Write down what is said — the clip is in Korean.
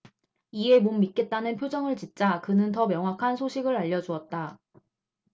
이에 못 믿겠다는 표정을 짓자 그는 더 명확한 소식을 알려주었다